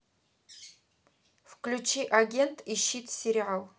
включи агент и щит сериал